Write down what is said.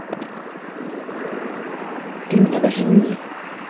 ты меня даже не